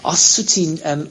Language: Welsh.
os wt ti'n yym,